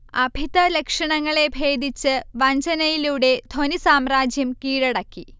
അഭിധ ലക്ഷണങ്ങളെ ഭേദിച്ച് വഞ്ജനയിലൂടെ ധ്വനിസാമ്രാജ്യം കീഴടക്കി